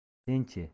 sen chi